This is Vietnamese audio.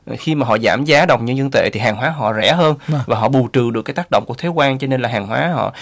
là khi mà họ giảm giá đồng nhân dân tệ thì hàng hóa họ rẻ hơn và họ bù trừ được các tác động của thuế quan cho nên là hàng hóa họ